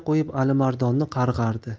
qo'yib alimardonni qarg'ardi